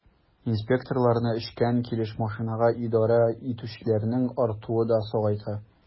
Инспекторларны эчкән килеш машинага идарә итүчеләрнең артуы да сагайта.